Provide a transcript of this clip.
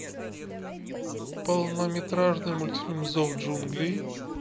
полнометражный мультфильм зов джунглей